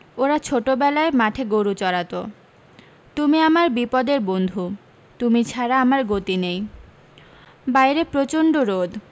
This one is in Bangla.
ওরা ছোটোবেলায় মাঠে গরু চরাতো তুমি আমার বিপদের বন্ধু তুমি ছাড়া আমার গতি নেই বাইরে প্রচণ্ড রোদ